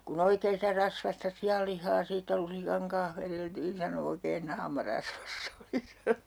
kun oikein sitä rasvaista sianlihaa siitä lusikan kanssa vedeltiin sanoi oikein naama rasvassa oli sanoi